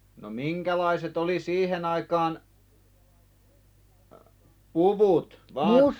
no minkälaiset oli siihen aikaan puvut -